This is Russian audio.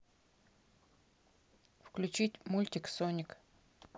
включить мультик соник